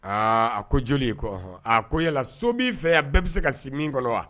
Aa a ko joli a ko yala so b'i fɛ yan a bɛɛ bɛ se ka si min kɔnɔ wa